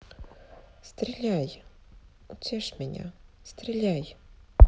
стреляй утешь меня стреляй